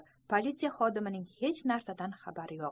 politsiya xodimining hech narsadan xabari yo'q